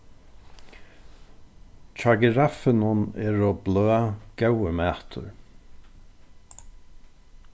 hjá giraffinum eru bløð góður matur